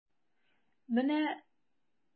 Менә...